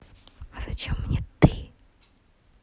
а зачем мне ты